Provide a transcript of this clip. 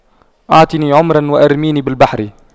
اعطني عمرا وارميني بالبحر